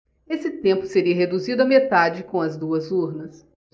esse tempo seria reduzido à metade com as duas urnas